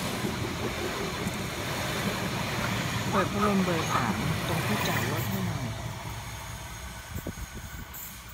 เปิดพัดลมเบอร์สามตรงที่จอดรถให้หน่อย